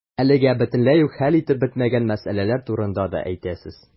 Әлегә бөтенләй үк хәл ителеп бетмәгән мәсьәләләр турында да әйтәсез.